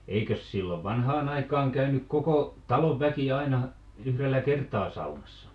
eikös silloin vanhaan aikaan käynyt koko talon väki aina yhdellä kertaa saunassa